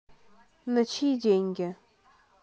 на чьи деньги